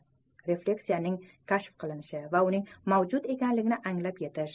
refleksiyaning kashf qilinishi va uning mavjud ekanligini anglab yetish